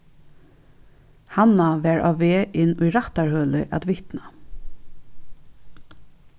hanna var á veg inn í rættarhølið at vitna